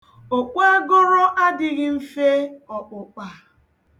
Okpuagọrọ adịghị mfe ọkpụkpa.